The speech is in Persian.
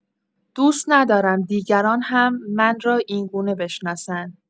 دوست ندارم دیگران هم من را این‌گونه بشناسند.